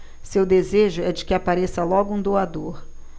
seu desejo é de que apareça logo um doador